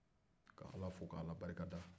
ka ala fo ka ala barikada